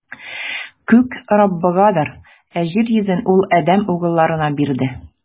Күк - Раббыгадыр, ә җир йөзен Ул адәм угылларына бирде.